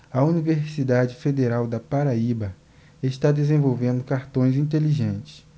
a universidade federal da paraíba está desenvolvendo cartões inteligentes